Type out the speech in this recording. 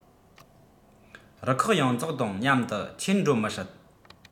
རུ ཁག ཡོངས རྫོགས དང མཉམ དུ འཁྱེར འགྲོ མི སྲིད